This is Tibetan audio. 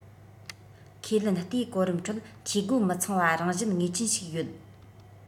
ཁས ལེན ལྟའི གོ རིམ ཁྲོད འཐུས སྒོ མི ཚང བ རང བཞིན ངེས ཅན ཞིག ཡོད